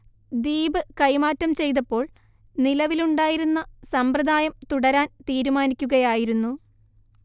ദ്വീപ് കൈമാറ്റം ചെയ്തപ്പോൾ നിലവിലുണ്ടായിരുന്ന സമ്പ്രദായം തുടരാൻ തീരുമാനിക്കുകയായിരുന്നു